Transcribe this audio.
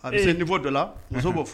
e ye niveau dɔ la, unhun,